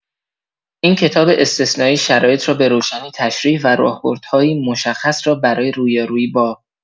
این کتاب استثنایی شرایط را به‌روشنی تشریح و راهبردهایی مشخص را برای رویارویی با